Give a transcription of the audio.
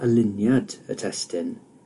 aliniad y testun